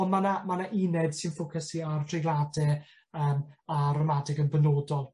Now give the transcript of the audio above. on' ma' 'na ma' 'na uned sy'n ffocysu ar dreiglade yym ar ramadeg yn benodol.